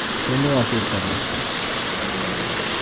so náa tit tað kanska